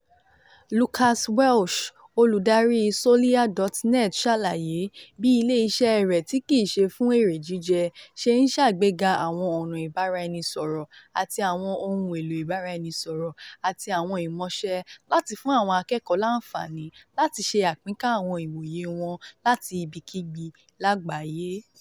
- Lucas Welsh, Olùdarí Soliya.net, sàlàyé bí ilé iṣẹ́ rẹ̀ tí kìí se fún èrè jíjẹ ṣe ń ṣàgbéga àwọn ọ̀nà ìbáraẹnisọ̀rọ̀ àti àwọn ohun èlò ìbáraẹnisọ̀rọ̀ àti àwọn ìmọṣẹ́ láti fún àwọn akẹ́kọ̀ọ́ láǹfààní láti ṣe àpínká àwọn ìwòye wọn láti ibikíbi lágbàáyé.